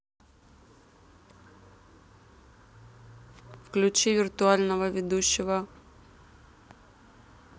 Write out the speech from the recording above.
включи виртуального ведущего